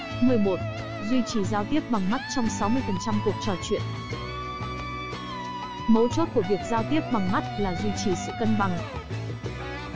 duy trì giao tiếp bằng mắt trong phần trăm cuộc trò chuyện mấu chốt của việc giao tiếp bằng mắt là duy trì sự cân bằng